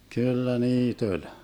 kyllä niitä oli